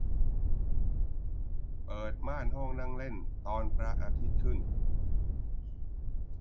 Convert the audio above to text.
เปิดม่านห้องนั่งเล่นตอนพระอาทิตย์ขึ้น